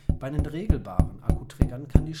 Bei den regelbaren Akkuträgern kann